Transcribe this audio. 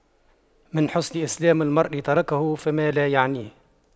من حسن إسلام المرء تَرْكُهُ ما لا يعنيه